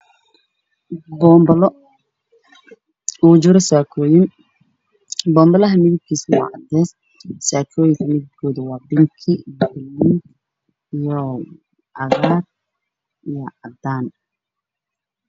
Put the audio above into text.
Waa boonbalo waxaa kujiro saakooyin. Boonbaluhu midabkiisu cadeys, saakooyinka midabkoodu waa bingi, buluug, fiyool, cagaar iyo cadaan.